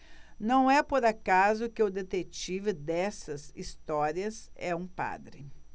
não é por acaso que o detetive dessas histórias é um padre